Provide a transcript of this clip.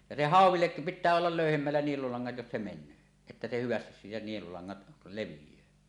ja se hauellekin kun pitää olla löyhemmällä nielulangat jos se menee että se hyvästi siitä nielulangat leviää